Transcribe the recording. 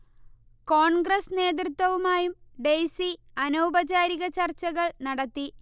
കോൺഗ്രസ് നേതൃത്വവുമായും ഡെയ്സി അനൗപചാരിക ചർച്ചകൾ നടത്തി